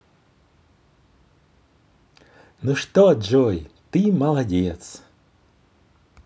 ну что джой ты молодец